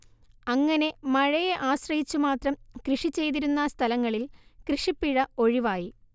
അങ്ങനെ മഴയെ ആശ്രയിച്ചു മാത്രം കൃഷി ചെയ്തിരുന്ന സ്ഥലങ്ങളിൽ കൃഷിപ്പിഴ ഒഴിവായി